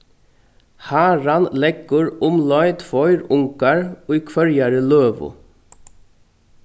haran leggur umleið tveir ungar í hvørjari løgu